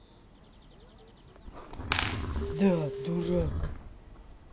да дурак